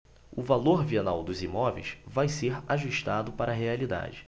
o valor venal dos imóveis vai ser ajustado para a realidade